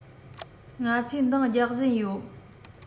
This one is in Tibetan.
ང ཚོས འདང རྒྱག བཞིན ཡོད